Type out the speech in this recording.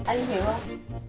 anh hiểu không